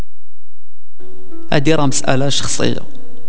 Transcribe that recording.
ادير مساله شخصيه